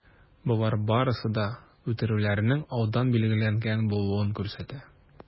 Болар барысы да үтерүләрнең алдан билгеләнгән булуын күрсәтә.